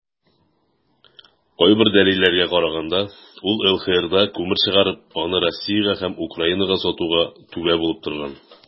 Кайбер дәлилләргә караганда, ул ЛХРда күмер чыгарып, аны Россиягә һәм Украинага сатуга "түбә" булып торган.